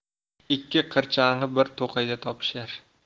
ikki qirchang'i bir to'qayda topishar